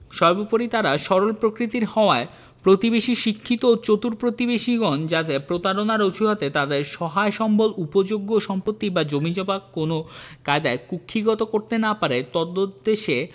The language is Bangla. সর্বপরি তারা সরল প্রকৃতির হওয়ায় প্রতিবেশী শিক্ষিত ও চতুর প্রতিবেশীগণ যাতে প্রতারণার অজুহাতে তাদের সহায় সম্বল উপযোগ্য সম্পত্তি বা জমিজমা কোনও কায়দায় কুক্ষীগত করতে না পারে তদুদ্দেশে